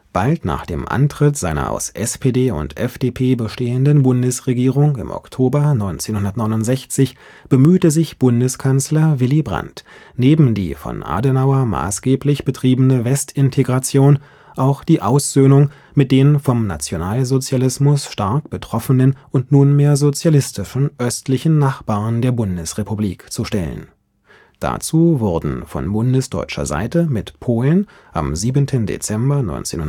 Bald nach dem Antritt seiner aus SPD und FDP bestehenden Bundesregierung im Oktober 1969 bemühte sich Bundeskanzler Willy Brandt, neben die von Adenauer maßgeblich betriebene Westintegration auch die Aussöhnung mit den vom Nationalsozialismus stark betroffenen und nunmehr sozialistischen östlichen Nachbarn der Bundesrepublik zu stellen. Dazu wurden von bundesdeutscher Seite mit Polen (7. Dezember 1970